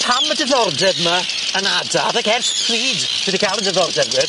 Pam y diddordeb 'ma yn adar ac ers pryd ti 'di ca'l y diddordeb dwed?